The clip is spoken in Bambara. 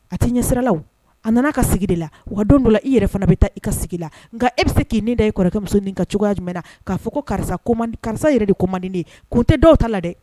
A tɛ i ɲɛ sira la a nana ka sigi de la wa don dɔ i yɛrɛ fana bɛ taa i ka sigi la nka e bɛ se k'i ne da i kɔrɔkɛmusonin ka cogoya jumɛnɛna k'a fɔ ko karisa karisa yɛrɛ de ko man de ye' tɛ dɔw ta la dɛ